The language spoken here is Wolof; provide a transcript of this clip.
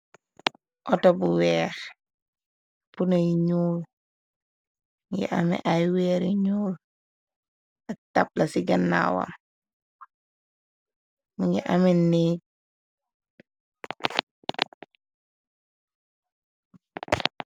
Atobu weex, puna yi ñuul, ngi ame ay weeri ñuul, ak tapla ci gannawam, mu ngi ame neeg.